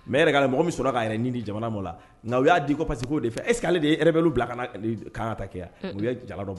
Mɛ yɛrɛ' mɔgɔ min sɔnna k'a yɛrɛ n di jamana ma la nka u y'a di ko pa que k' de fɛ esseke ale de ye yɛrɛ bɛ' bila ka kan ta kɛ u ye jara dɔ bɔ